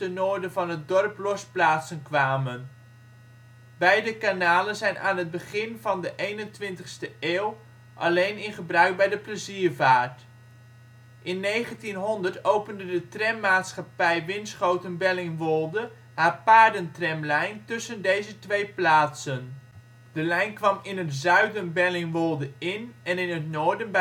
noorden van het dorp losplaatsen kwamen. Beide kanalen zijn aan het begin van de eenentwintigste eeuw alleen in gebruik bij de pleziervaart. In 1900 opende de trammaatschappij Winschoten-Bellingwolde haar paardentramlijn tussen deze twee plaatsen. De lijn kwam in het zuiden Bellingwolde in en in het noorden